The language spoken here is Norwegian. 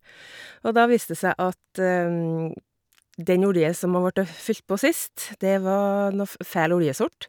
Og da viste det seg at den olje som har vorte fylt på sist, det var noe f feil oljesort.